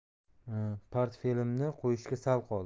partbiletimni qo'yishga sal qoldi